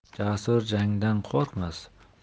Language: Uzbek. jasur jangdan qo'rqmas